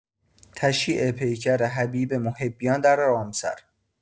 تشییع پیکر حبیب محبیان در رامسر